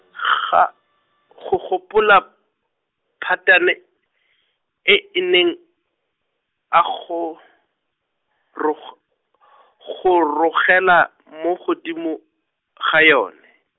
ga, go gopola, phatane, e e neng, a gorog- , gorogela, mo godimo, ga yone.